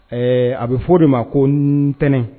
Ɛɛ a bɛ f'o de ma ko ntɛnɛn